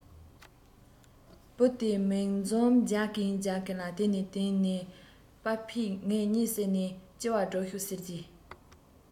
བུ དེས མིག འཛུམ རྒྱག གིན རྒྱག གིན ལ དེ ནས དེ ནས པ ཕས ངའི གཉིད བསད ནས ལྕི བ སྒྲུག ཤོག ཟེར གྱིས